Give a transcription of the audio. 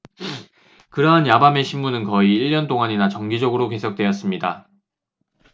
그러한 야밤의 심문은 거의 일년 동안이나 정기적으로 계속되었습니다